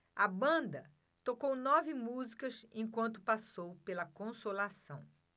a banda tocou nove músicas enquanto passou pela consolação